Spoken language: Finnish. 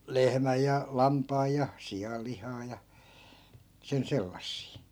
lehmän ja lampaan ja sian lihaa ja sen sellaisia